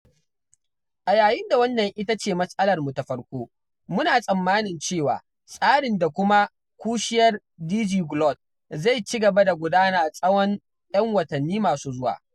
A yayin da wannan ita ce mas'alarmu ta farko, muna tsammanin cewa tsarin da kuma ƙunshiyar DigiGlot zai ci gaba da gudana tsawon 'yan watanni masu zuwa.